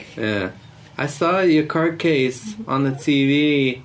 Ie I saw your court case on the TV.